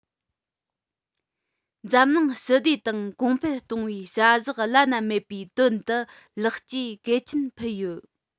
འཛམ གླིང ཞི བདེ དང གོང འཕེལ གཏོང བའི བྱ གཞག བླ ན མེད པའི དོན དུ ལེགས སྐྱེས གལ ཆེན ཕུལ ཡོད